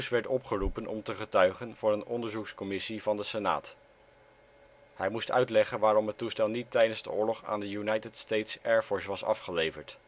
werd opgeroepen om te getuigen voor een onderzoekscommissie van de senaat. Hij moest uitleggen waarom het toestel niet tijdens de oorlog aan de United States Air Force was afgeleverd